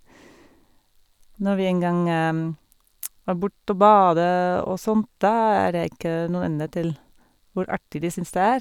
Når vi en gang er bort og bade og sånt, da er det ikke noen ende til hvor artig de syns det er.